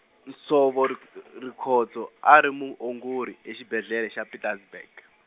Nsovo Ri- Rikhotso a ri muongori exibedlele xa Pietersburg.